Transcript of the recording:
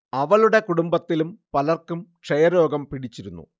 അവളുടെ കുടുംബത്തിലും പലർക്കും ക്ഷയരോഗം പിടിച്ചിരുന്നു